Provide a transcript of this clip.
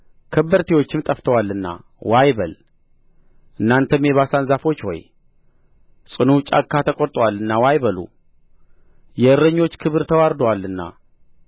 ከበርቴዎችም ጠፍተዋልና ዋይ በል እናንተም የባሳን ዛፎች ሆይ ጽኑው ጫካ ተቈርጦአልና ዋይ በሉ የእረኞች ክብር ተዋርዶአልና